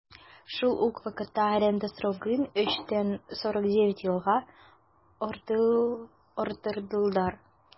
Шул ук вакытта аренда срогын 3 тән 49 елга арттырдылар.